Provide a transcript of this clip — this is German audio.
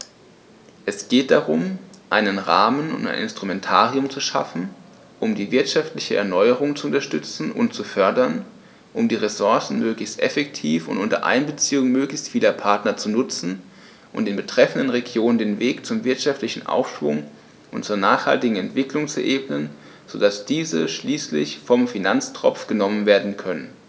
Es geht darum, einen Rahmen und ein Instrumentarium zu schaffen, um die wirtschaftliche Erneuerung zu unterstützen und zu fördern, um die Ressourcen möglichst effektiv und unter Einbeziehung möglichst vieler Partner zu nutzen und den betreffenden Regionen den Weg zum wirtschaftlichen Aufschwung und zur nachhaltigen Entwicklung zu ebnen, so dass diese schließlich vom Finanztropf genommen werden können.